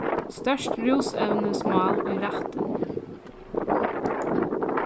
stórt rúsevnismál í rættin